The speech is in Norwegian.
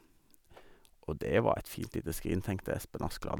Å, det var et fint lite skrin, tenkte Espen Askeladd.